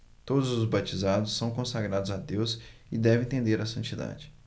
todos os batizados são consagrados a deus e devem tender à santidade